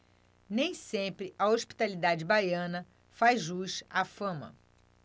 nem sempre a hospitalidade baiana faz jus à fama